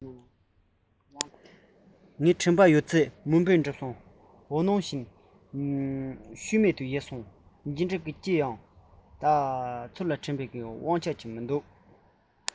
ངའི དྲན པ ཡོད ཚད མུན པས བསྒྲིབས འོད སྣང བཞིན ཤུལ མེད དུ ཡལ སོང ཇི འདྲའི སྐྱིད ཨང སྙམ ཡང དབང ཚོར ལ བཅོས བསྒྱུར ཅི ཡང གཏོང མི ནུས